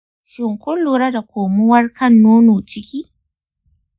shin kun lura da komawar kan nono ciki?